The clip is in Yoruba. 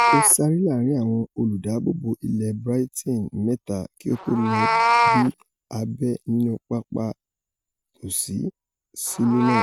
Ó sáré láàrin àwọn olùdáààbòbò ilé Brighton mẹ́ta kí ó tó lọ bí abẹ nínú pápá tósí sílẹ̀ náà.